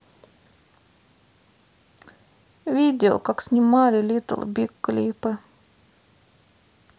видео как снимали литл биг клипы